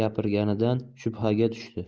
gapirganidan shubhaga tushdi